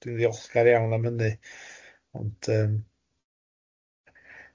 Dwi'n ddiolchgar iawn am hynny, ond yym.